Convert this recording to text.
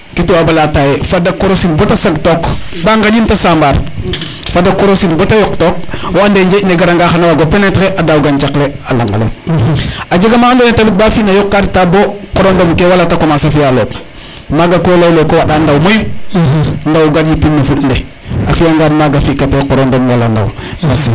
ke toubab a leya tailler de korosin bata sag took ba ngaƴin de sambar fada korosin bata yoq took o ande njeeƴ ne gara nga xana wago penetre e a daaw gancax le a laŋale a jega ma ando naye it ba fi na yok ka reta bo qoro ndom ke wala te commencer fiya a lot maga ko leyele ko wanda ndaw mayu ndaw o gar yipin no fuɗ le a fiya ngan maga fi kate qorondom wala ndaw merci